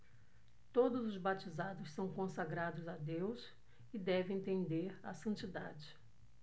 todos os batizados são consagrados a deus e devem tender à santidade